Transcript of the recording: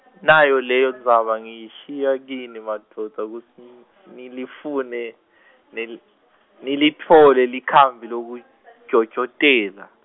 nayo leyo Ndzaba ngiyishiya kini madvodza kutsi, nilifune nil- nilitfole likhambi lekujojotela.